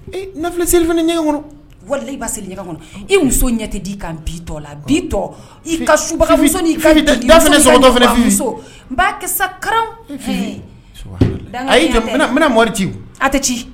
Nafi selifana ɲɛ wari i bɛ seli ɲɛ kɔnɔ i muso ɲɛ tɛ di ka bi la bi tɔ i ka susɔnso n ba sa ka fɛ a bɛna mori ci a tɛ ci